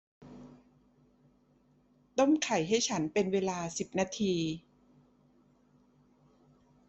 ต้มไข่ให้ฉันเป็นเวลาสิบนาที